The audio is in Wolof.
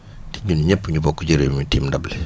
te ñun ñëpp ñu bokk ci réew mi tiim ndab li